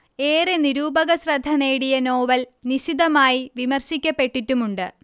ഏറെ നിരൂപകശ്രദ്ധ നേടിയ നോവൽ നിശിതമായി വിമർശിക്കപ്പെട്ടിട്ടുമുണ്ട്